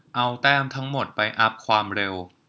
เอาแต้มทั้งหมดไปอัพความเร็ว